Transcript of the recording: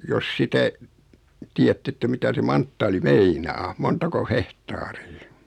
jos sitä tiedätte että mitä se manttaali meinaa montako hehtaaria